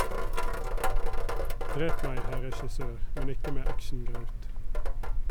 Drep meg, herr regissør, men ikke med actiongraut.